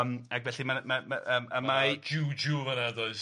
Yym ac felly ma' ma' ma' yym a mae... Juju fan'na does?...